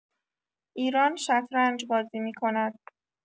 ایران شطرنج‌بازی می‌کند.